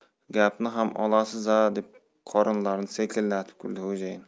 gapni ham olasiz a deb qorinlarini selkillatib kuldi xo'jayin